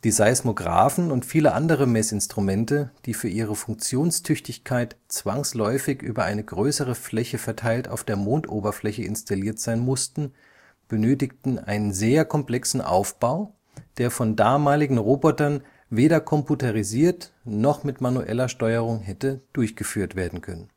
Seismografen und viele andere Messinstrumente, die für ihre Funktionstüchtigkeit zwangsläufig über eine größere Fläche verteilt auf der Mondoberfläche installiert sein mussten, benötigten einen sehr komplexen Aufbau, der von damaligen Robotern weder computerisiert noch mit manueller Steuerung hätte durchgeführt werden können